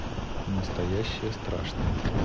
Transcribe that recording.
настоящее страшное